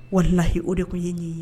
Walilahi o de tun ye nini ye